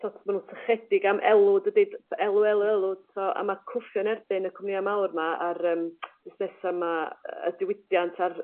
t'wod ma' nw'n sychedig am elw dydi? D- elw elw elw so a ma' cwffio yn erbyn y cwmnia mawr ma' a'r yym busnesa' 'ma yy y diwydiant a'r